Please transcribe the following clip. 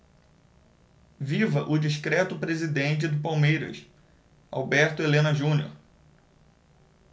viva o discreto presidente do palmeiras alberto helena junior